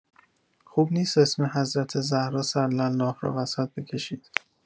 خوب نیست اسم حضرت زهرا (س) را وسط بکشید.